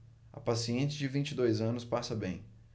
a paciente de vinte e dois anos passa bem